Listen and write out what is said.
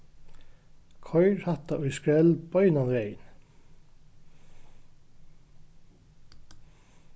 koyr hatta í skrell beinanvegin